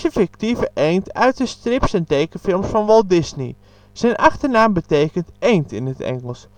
fictieve eend uit de strips en tekenfilms van Walt Disney. Zijn achternaam betekent eend in het Engels